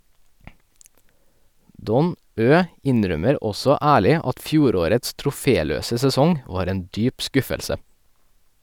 Don Ø innrømmer også ærlig at fjorårets troféløse sesong var en dyp skuffelse.